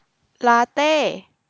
ลาเต้